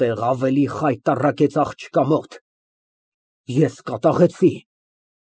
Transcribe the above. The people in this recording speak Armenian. ՄԱՐԳԱՐԻՏ ֊ Կկամենայի ես էլ ուրախ լինել քրոջս պես, թռչկոտել, ինչպես անհոգ թռչուն։ Կկամենայի ոչնչի մասին չմտածել, բացի իմ անձնական զվարճություններից։